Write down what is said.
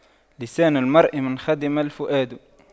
لسان المرء من خدم الفؤاد